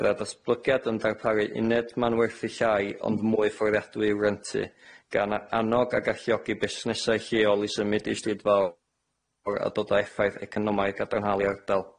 Bydd y datblygiad yn darparu uned manwerthu llai ond mwy fforddiadwy i'w rentu gan a- annog ag alliogi busnesau lleol i symud i stryd fowr a dod â effaith economaidd gadarnhaol i ardal.